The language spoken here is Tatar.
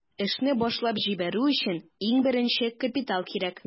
Эшне башлап җибәрү өчен иң беренче капитал кирәк.